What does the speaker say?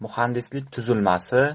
muhandislik tuzilmasi